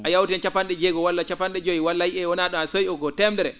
a yawtii heen capan?e jeegom walla capan?e joyi walla a yiyii e wona ?a so yi ko teemedere